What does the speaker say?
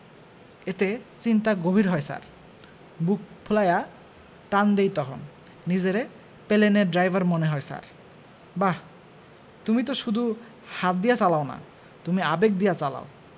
এতে চিন্তা গভীর হয় ছার বুক ফুলায়া টান দেই তহন নিজেরে পেলেনের ড্রাইভার মনে হয় ছার বাহ তুমি তো শুধু হাত দিয়া চালাও না তুমি আবেগ দিয়া চালাও